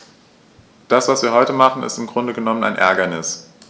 Das, was wir heute machen, ist im Grunde genommen ein Ärgernis.